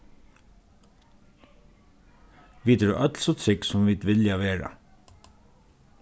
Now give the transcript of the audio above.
vit eru øll so trygg sum vit vilja vera